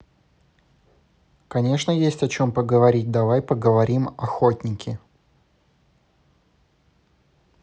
конечно есть о чем поговорить давай поговорим охотники